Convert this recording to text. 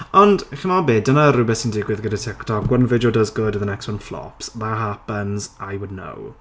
Ond chimod be dyna rhywbeth sy'n digwydd gyda TikTok. One video does good and the next one flops. That happens. I would know.